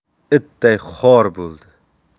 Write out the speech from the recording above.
itday xor bo'ldi